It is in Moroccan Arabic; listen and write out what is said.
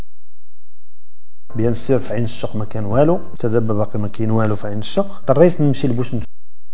اسف عن شقق مكه وينه كذب باكلمك ينوف عن الشوق